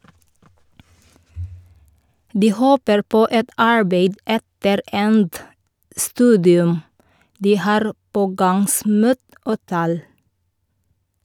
De håper på et arbeid etter endt studium, de har pågangsmot og tæl.